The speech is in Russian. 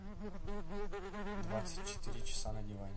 двадцать четыре часа на диване